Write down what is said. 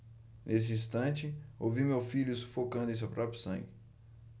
nesse instante ouvi meu filho sufocando em seu próprio sangue